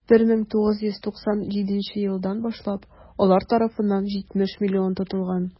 1997 елдан башлап алар тарафыннан 70 млн тотылган.